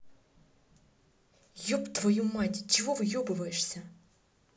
еб твою мать чего выебываешься